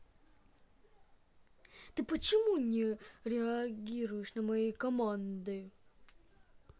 ты почему не реагируешь на мои команды